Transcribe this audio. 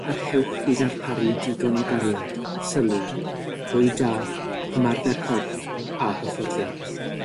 parhewch i ddarparu digon o gariad, sylw, bywyd da, ymarfer corff a hyfforddiant.